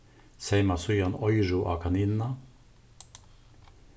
seyma síðan oyru á kaninina